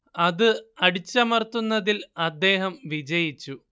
അത് അടിച്ചമർത്തുന്നതിൽ അദ്ദേഹം വിജയിച്ചു